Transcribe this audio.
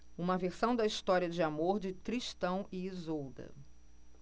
uma versão da história de amor de tristão e isolda